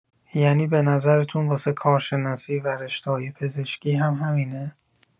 ینی به نظرتون واسه کارشناسی و رشته‌های پزشکی هم همینه؟